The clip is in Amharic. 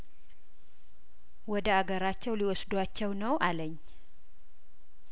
ወደ አገራቸው ሊወስዷቸው ነው አለኝ